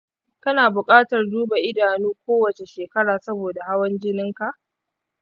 kana buƙatar duba idanu kowace shekara saboda hawan jinin ka.